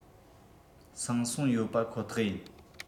སངས སོང ཡོད པ ཁོ ཐག ཡིན